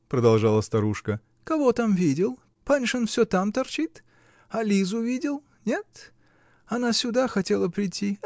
-- продолжала старушка, -- кого там видел? Паншин все там торчит? А Лизу видел? Нет? Она сюда хотела прийти.